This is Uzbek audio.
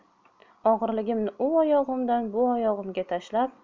og'irligimni u oyog'imdan bu oyog'imga tashlab